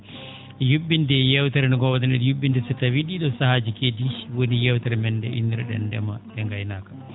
yu??inde yewtere nde ngoowno?en yu??inde so tawii ?ii ?oo saahaaji keedi woni yeewtere men nde innir?en ndema e ngaynaaka